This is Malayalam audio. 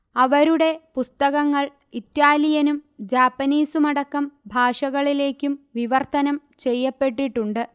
അവരുടെ പുസ്തകങ്ങൾ ഇറ്റാലിയനും ജാപ്പനീസുമടക്കം ഭാഷകളിലേക്കും വിവർത്തനം ചെയ്യപ്പെട്ടിട്ടുണ്ട്